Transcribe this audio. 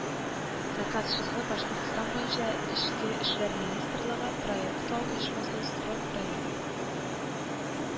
Заказчысы Башкортстан буенча Эчке эшләр министрлыгы, проектлау оешмасы Строй Проект